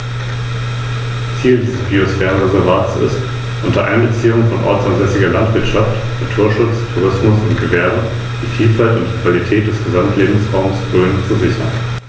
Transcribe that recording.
Durch das Rahmenkonzept des Biosphärenreservates wurde hier ein Konsens erzielt.